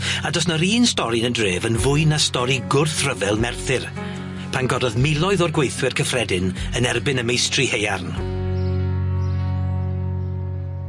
A do's na'r un stori yn y dref yn fwy na stori gwrthryfel Merthyr pan gododd miloedd o'r gweithwyr cyffredin yn erbyn y meistri haearn.